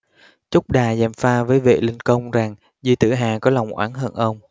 chúc đà gièm pha với vệ linh công rằng di tử hà có lòng oán hận ông